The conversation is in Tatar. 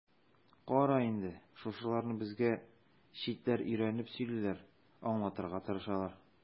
Кара инде, шушыларны безгә читләр өйрәнеп сөйлиләр, аңлатырга тырышалар.